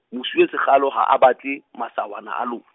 mosuwe Sekgalo ha a batle, masawana a lo- .